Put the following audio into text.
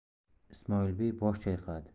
ismoilbey bosh chayqadi